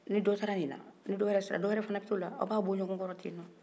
ni dɔ taara nin na ni dɔwɛrɛ sera dɔwɛrɛ fana bɛ taa o la a' b'a bɔ ɲɔgɔn kɔrɔ ten de